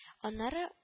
Аннары